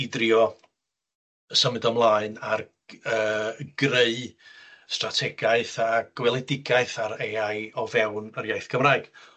i drio symud ymlaen ar g- yy greu strategaeth a gweledigaeth ar Ay I o fewn yr iaith Cymraeg.